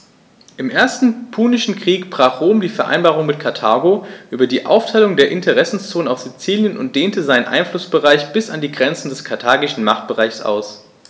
Im Ersten Punischen Krieg brach Rom die Vereinbarung mit Karthago über die Aufteilung der Interessenzonen auf Sizilien und dehnte seinen Einflussbereich bis an die Grenze des karthagischen Machtbereichs aus.